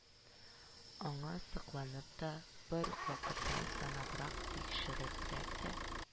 Аңа сокланып та, бер үк вакытта сынабрак-тикшеребрәк тә